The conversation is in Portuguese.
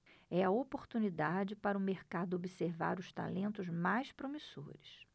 é a oportunidade para o mercado observar os talentos mais promissores